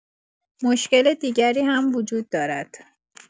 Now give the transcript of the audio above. مشکل دیگری هم وجود دارد.